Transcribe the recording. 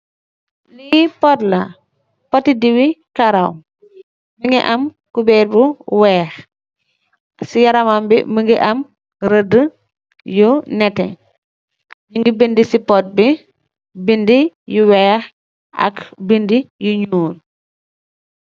Lii pot la, pot i diwii karaw. Mu ngi am kubeer bu weex, si yaramam wi mu ngi am rëddë yu nétté. Ñu ngi bindë si pot bi bindë yu weex ak bindë yu ñuul.